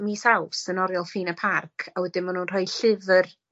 mis Awst yn oriel ffin y parc a wedyn ma' nw'n rhoi llyfyr